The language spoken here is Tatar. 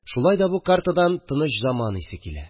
Шулай да, бу картадан тыныч заман исе килә